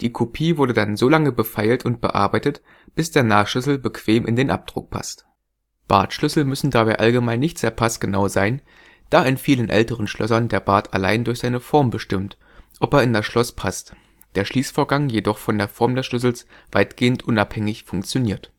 Kopie wurde dann so lange befeilt und bearbeitet, bis der Nachschlüssel bequem in den Abdruck passt. Bartschlüssel müssen dabei allgemein nicht sehr passgenau sein, da in vielen älteren Schlössern der Bart allein durch seine Form bestimmt, ob er in das Schloss passt, der Schließvorgang jedoch von der Form des Schlüssels weitgehend unabhängig funktioniert